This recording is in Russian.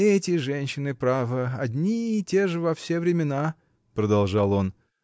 — Эти женщины, право, одни и те же во все времена, — продолжал он.